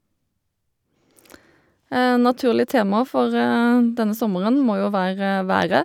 Naturlig tema for denne sommeren må jo være været.